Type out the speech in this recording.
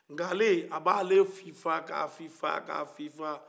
n'ka ale a b'ale fifan k'a fifan k'a fifan